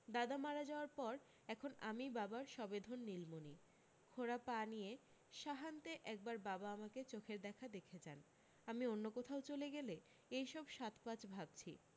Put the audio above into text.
দাদা মারা যাওয়ার পর এখন আমি বাবার সবেধন নীলমণি খোঁড়া পা নিয়ে স্বাহান্তে একবার বাবা আমাকে চোখের দেখা দেখে যান আমি অন্য কোথাও চলে গেলে এইসব সাতপাঁচ ভাবছি